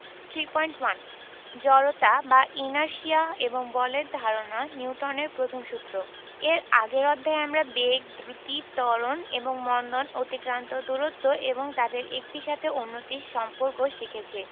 3.1 জড়তা বা ইনারশিয়া এবং বলের ধারণা নিউটনের প্রথম সূত্র এর আগের অধ্যায়ে আমরা বেগ দ্রুতি ত্বরণ এবং মন্দন অতিক্রান্ত দূরত্ব এবং তাদের একটির সাথে অন্যটির সম্পর্ক শিখেছি